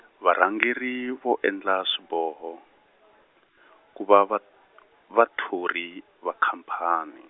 varhangeri vo endla swiboho, ku va vat-, vathoriwa va khamphani.